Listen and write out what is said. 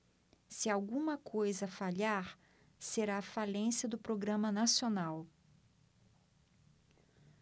se alguma coisa falhar será a falência do programa nacional